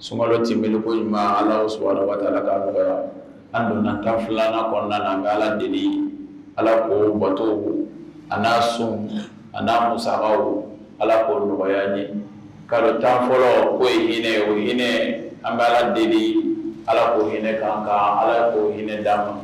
Sumaworokalo tunb ko ɲumanuma ala sumaworo ala ka nɔgɔya an donna tan filanan kɔnɔna na an ka ala deli ala k koo bato an'a sun an'a musa ala k koo nɔgɔya ye karɔ tan fɔlɔ ko ye hinɛ o hinɛ an deli ala'o hinɛ k'an ala ye'o hinɛ d' an ma